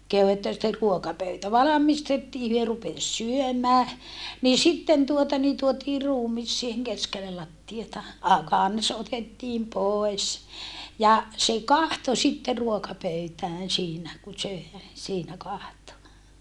kehui että sitten ruokapöytä valmistettiin he rupesi syömään niin sitten tuota niin tuotiin ruumis siihen keskelle lattiaa - kansi otettiin pois ja se katsoi sitten ruokapöytään siinä kun söi siinä katsoi